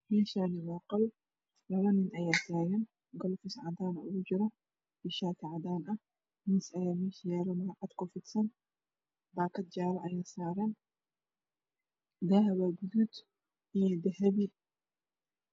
Meeshaan waa qol waxaa labo nin ayaa taagan galoofis cadaan ugu jiro iyo shaati cadaan ah miis ayaa meesha yaalo maro cad kufidsan tahay baakad jaalo ah ayaa saaran. Daaha waa gaduud iyo dahabi.